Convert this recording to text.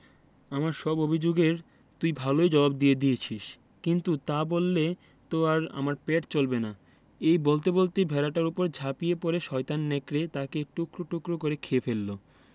আমার সব অভিযোগ এর তুই ভালই জবাব দিয়ে দিয়েছিস কিন্তু তা বললে তো আর আমার পেট চলবে না এই বলতে বলতেই ভেড়াটার উপর ঝাঁপিয়ে পড়ে শয়তান নেকড়ে তাকে টুকরো টুকরো করে খেয়ে ফেলল